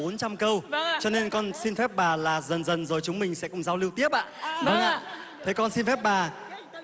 bốn trăm câu cho nên con xin phép bà là dần dần rồi chúng mình sẽ cùng giao lưu tiếp ạ con xin phép bà